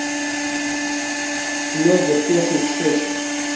лего техник шесть